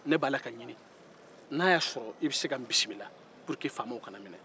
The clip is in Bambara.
ne b'a la ka ɲinin n'a ya sɔrɔ i bɛ se ka ne bisimila pour que faama kana ne minɛ